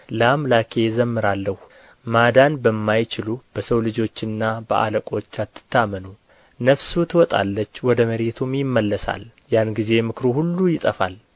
ለአምላኬ እዘምራለሁ ማዳን በማይችሉ በሰው ልጆችና በአለቆች አትታመኑ ነፍሱ ትወጣለች ወደ መሬቱም ይመለሳል ያን ጊዜ ምክሩ ሁሉ ይጠፋል